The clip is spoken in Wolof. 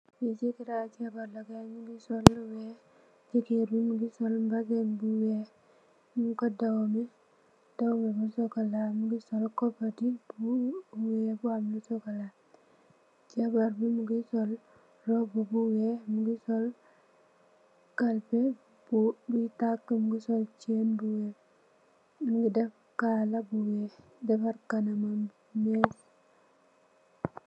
gay nyu ngi sol lu weex jigeen bi mungi sol mbezin bu weex mungi sol koket yu weex yu am lu sokola jabaar bi mingi sol robu bu weex mungi sol robu buy tak lu weex mungi sol